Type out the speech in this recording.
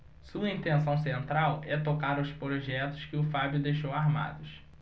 sua intenção central é tocar os projetos que o fábio deixou armados